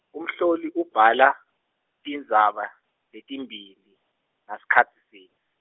Umhloli ubhala, tindzaba, letimbili, ngasikhatsi sinye.